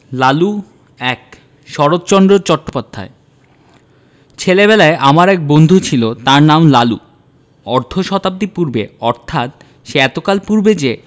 লালু ১ শরৎচন্দ্র চট্টোপাধ্যায় ছেলেবেলায় আমার এক বন্ধু ছিল তার নাম লালু অর্ধ শতাব্দী পূর্বে অর্থাৎ সে এতকাল পূর্বে যে